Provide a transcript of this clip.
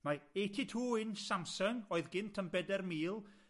Mae eighty two inch Samsung oedd gynt yn beder mil